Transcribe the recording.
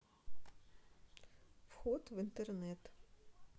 вход в интернет